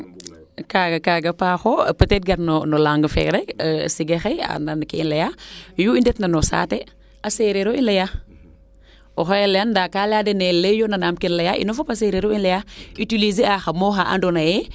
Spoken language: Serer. kaaga paaxo te gar no langue fee rek Siga xaye a anda ke i leya yu i ndetna no saate a serreer o i leya oxey leyan ndaa ka leya dene ley yo nanaam ken leya ino fop a sereer o i leya utiliser a xa mots xa ando naye